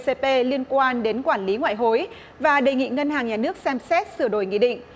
xê pê liên quan đến quản lý ngoại hối và đề nghị ngân hàng nhà nước xem xét sửa đổi nghị định